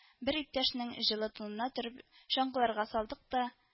Бер иптәшнең җылы тунына төреп, чаңгыларга салдык та